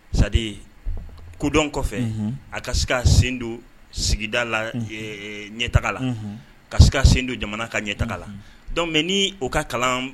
C'est à dire kodɔn kɔfɛ. Unhun! A ka se k'a sen don sigida la ɛɛ ɲɛtaga la,. Unhun! Ka se ka sen don jamana ka ɲɛtagaga la Donc mais ni o ka kalan